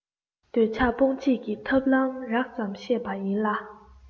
འདོད ཆགས སྤོང བྱེད ཀྱི ཐབས ལམ རགས ཙམ བཤད པ ཡིན ལ